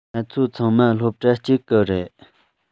ང ཚོ ཚང མ སློབ གྲྭ གཅིག གི རེད